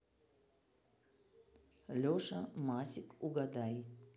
леша масик угадай